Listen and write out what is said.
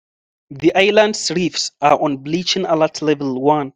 The island's reefs are on "Bleaching Alert Level One"